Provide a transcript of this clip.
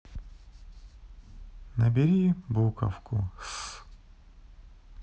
набери буковку с